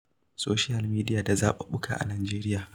Soshiyal midiya da zaɓuɓɓuka a Najeriya